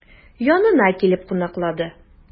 Янына килеп кунаклады.